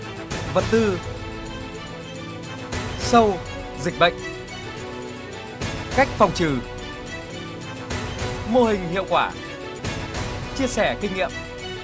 vật tư sâu dịch bệnh cách phòng trừ mô hình hiệu quả chia sẻ kinh nghiệm